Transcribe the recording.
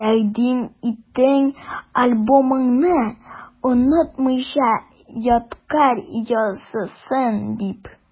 Тәкъдим иттең альбомыңны, онытмыйча ядкарь язсын дип.